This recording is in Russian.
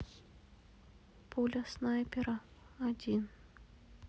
пуля снайпера один